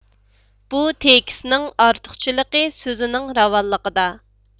بۇ تېكىستنىڭ ئارتۇقچىلىقى سۆزىنىڭ راۋانلىقىدا